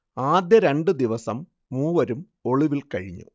ആദ്യ രണ്ടു ദിവസം മൂവരും ഒളിവിൽ കഴിഞ്ഞു